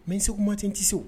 Mɛ segu ma tɛ tɛ so